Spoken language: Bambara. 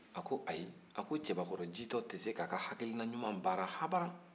a ko ayi a ko cɛbakɔrɔ jitɔ tɛ se k'a ka hakilina baara abada